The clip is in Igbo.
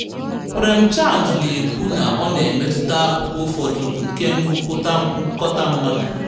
Prem Chand na-ekwu na ọ na-emetụta akụkụ ụfọdụ nke ngụkọta mmadụ: